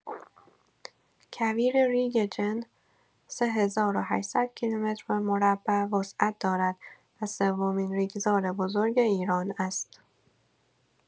کویر ریگ جن ۳ هزار و ۸۰۰ کیلومترمربع وسعت دارد و سومین ریگزار بزرگ ایران است.